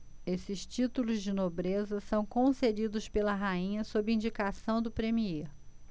esses títulos de nobreza são concedidos pela rainha sob indicação do premiê